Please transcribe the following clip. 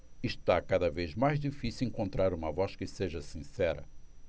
está cada vez mais difícil encontrar uma voz que seja sincera